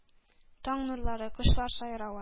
Таң нурлары, кошлар сайравы.